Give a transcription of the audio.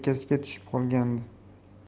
yelkasiga tushib qolgandi